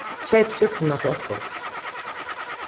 keyp súkkluna frá okkum